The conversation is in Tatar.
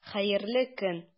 Хәерле көн!